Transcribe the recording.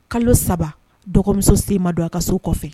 Kalo 3 dɔgɔmuso sen ma don a ka so